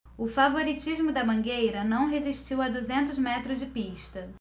o favoritismo da mangueira não resistiu a duzentos metros de pista